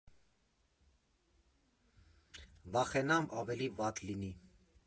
Վախենամ՝ ավելի վատ լինի։